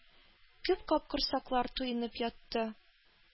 Күп капкорсаклар туенып ятты.